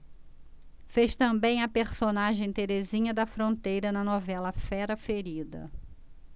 fez também a personagem terezinha da fronteira na novela fera ferida